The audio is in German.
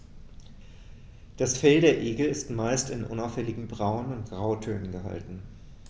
Das Fell der Igel ist meist in unauffälligen Braun- oder Grautönen gehalten.